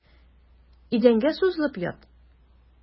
Идәнгә сузылып ят.